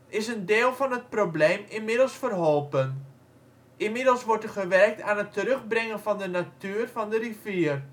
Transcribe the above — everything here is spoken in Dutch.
is een deel van het probleem inmiddels verholpen. Inmiddels wordt er gewerkt aan het terugbrengen van de natuur van de rivier